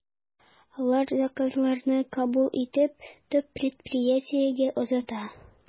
Алар заказларны кабул итеп, төп предприятиегә озата.